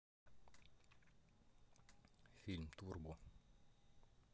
фильм турбо